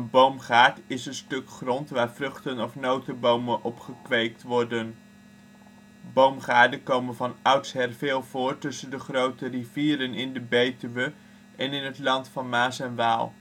boomgaard is een stuk grond waar vruchten - of notenbomen op gekweekt worden. Boomgaarden komen van oudsher veel voor tussen de grote rivieren in de Betuwe en in het Land van Maas en Waal